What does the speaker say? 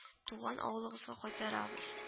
Туган авылыгызга кайтарабыз